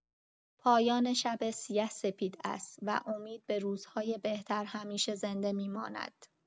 پایان شب سیه سپید است و امید به روزهای بهتر همیشه زنده می‌ماند.